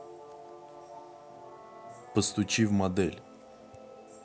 постучи в модель